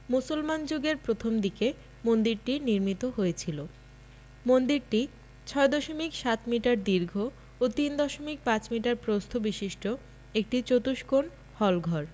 মুসলমান যুগের প্রথমদিকে মন্দিরটি নির্মিত হয়েছিল মন্দিরটি ৬ দশমিক ৭ মিটার দীর্ঘ ও ৩ দশমিক ৫ মিটার প্রস্থ বিশিষ্ট একটি চতুষ্কোণ হলঘর